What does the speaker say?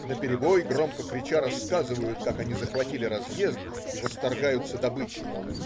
Наперебой, громко крича, рассказывают, как они захватили разъезд, и восторгаются добычей.